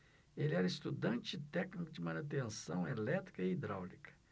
ele era estudante e técnico de manutenção elétrica e hidráulica